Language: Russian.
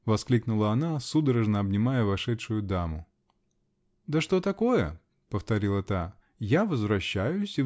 -- воскликнула она, судорожно обнимая вошедшую даму. -- Да что такое? -- повторила та. -- Я возвращаюсь.